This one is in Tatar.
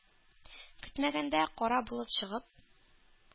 Көтмәгәндә, кара болыт чыгып,